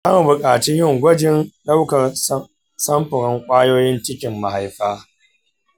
za mu buƙaci yin gwajin ɗaukar samfurin ƙwayoyin cikin mahaifa.